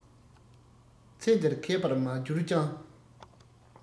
ཚེ འདིར མཁས པར མ གྱུར ཀྱང